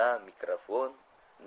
na mikrofon